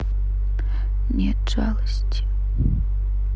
нет жалости